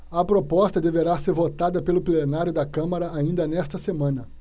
a proposta deverá ser votada pelo plenário da câmara ainda nesta semana